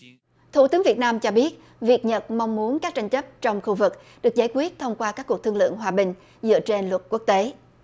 thủ tướng việt nam cho biết việc nhật mong muốn các tranh chấp trong khu vực được giải quyết thông qua các cuộc thương lượng hòa bình dựa trên luật quốc tế